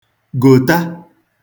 gota